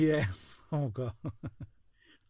Ie, oh God.